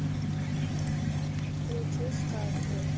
включи сказку